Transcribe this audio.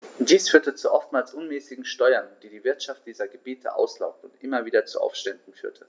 Dies führte zu oftmals unmäßigen Steuern, die die Wirtschaft dieser Gebiete auslaugte und immer wieder zu Aufständen führte.